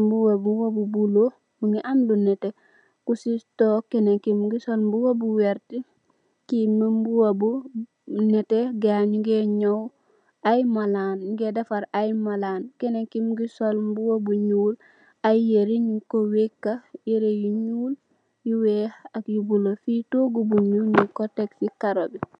mbuba bu bula, mingi am lu nete, ko si toog, keneen ki mingi sol mbuba bu werte, ki mbuba bu nete, gaayi nyunge nyaw ay malaan, munge defar ay malaan, keneen ki mingi sol bu nyuul, ay yiree yunj ko wekk, yire yu nyuul, yu weex, ak yu bula, fi toogu bu nyuul, nyun ko teg si karo bi.